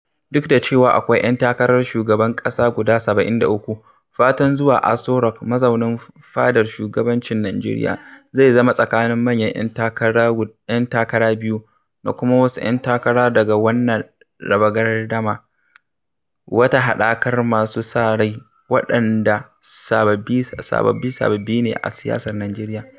Duk da cewa akwai 'yan takarar shugaban ƙasa guda 73, fatan zuwa Aso Rock - mazaunin fadar shugabancin Najeriya - zai zama tsakanin manyan 'yan takara biyu da kuma wasu 'yan takara daga wannan "raba gardama", wata haɗakar masu sa-rai waɗanda sababbi-sababbi ne a siyasar Najeriya.